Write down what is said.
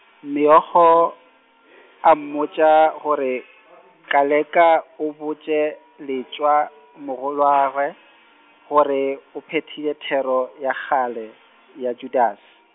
Meokgo, a mmotša gore , Koleka, o botše, Letšwa, mogolwagwe, gore o phethile thero, ya kgale, ya Judase.